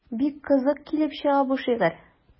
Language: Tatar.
Бик кызык килеп чыга бу шигырь.